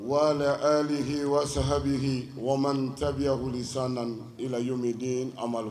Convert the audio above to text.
Waaliki walasa hayiki walima tabiya wuli san i layimi den amadu